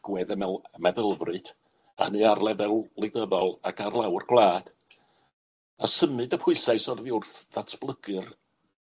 agwedd y mel- meddylfryd, a hynny ar lefel wleidyddol ac ar lawr gwlad, a symud y pwyslais oddi wrth ddatblygu'r